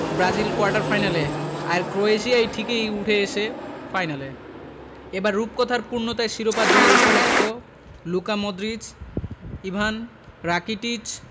Brazil quarter ফাইনালে আর ক্রোয়েশিয়াই ঠিকই উঠে এসে ফাইনালে এবার রূপকথার পূর্ণতায় শিরোপা জয়ের উপলক্ষ লুকা মডরিচ ইভান রাকিটিচ